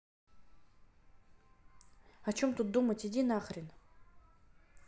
о чем тут думать иди нахрен